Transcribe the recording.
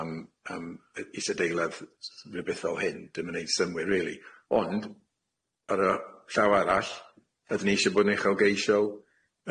am yym y- istadeiladd s- s- rhywbeth fel hyn dim yn neud synnwyr rili ond ar y llaw arall ydyn ni isie bod yn uchelgeisiol,